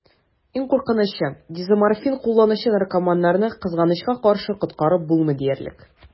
Иң куркынычы: дезоморфин кулланучы наркоманнарны, кызганычка каршы, коткарып булмый диярлек.